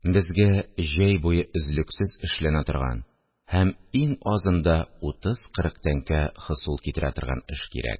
Безгә җәй буе өзлексез эшләнә торган һәм иң азында утыз-кырык тәңкә хосул китерә торган эш кирәк